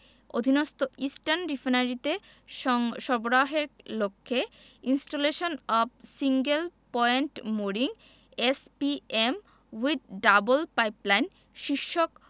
অধীনস্থ ইস্টার্ন রিফাইনারিতে সরবরাহের লক্ষ্যে installation of single point mooring SPM with double pipeline শীর্ষক